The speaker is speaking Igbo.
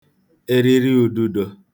eriri ūdūdō